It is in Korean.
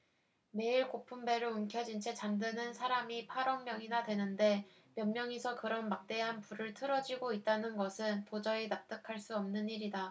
매일 고픈 배를 움켜쥔 채 잠드는 사람이 팔 억 명이나 되는데 몇 명이서 그런 막대한 부를 틀어쥐고 있다는 것은 도저히 납득할 수 없는 일이다